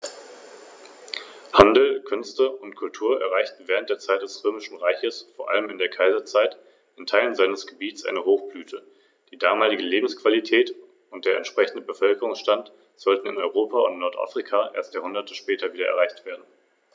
Das Reich übte einen großen Einfluss auf die von ihm beherrschten Gebiete, aber auch auf die Gebiete jenseits seiner Grenzen aus.